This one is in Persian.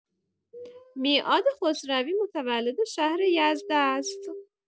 میعاد خسروی متولد شهر یزد است؛